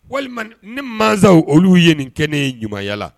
Walima ni mansaw olu ye nin kɛ ne ye ɲumanyala